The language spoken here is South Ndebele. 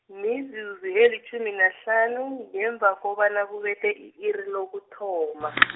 mizuzu elitjhumi nahlanu, ngemva kobana kubethe i-iri lokuthoma.